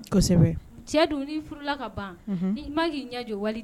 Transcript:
Kɔsɛbɛ cɛ dun ni furula ka ban, i man ka i ɲɛ jɔ wali